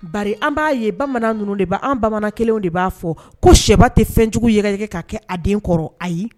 Bari, an b'a ye, Bamana ninnu de, anw Bamanankelenw de b'a fɔ ko sɛba tɛ fɛnjugu yɛrɛkɛ k'a bila a den kɔrɔ, ayi.